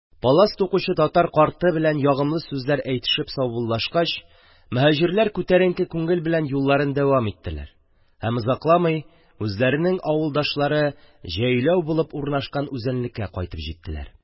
Алас тукучы татар карты белән ягымлы сүзләр әйтешеп саубуллашкач, моһаҗирлар күтәренке күңел белән юлларын давам иттеләр һәм озакламый үзләренең авылдашлары җәйләү булып урнашкан үзәнлеккә кайтып җиттеләр.